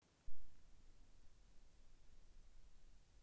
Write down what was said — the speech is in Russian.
включи диско музыку